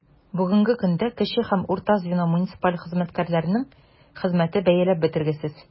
Бүгенге көндә кече һәм урта звено муниципаль хезмәткәрләренең хезмәте бәяләп бетергесез.